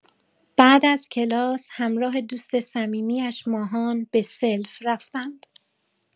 بعد از کلاس، همراه دوست صمیمی‌اش ماهان به سلف رفتند.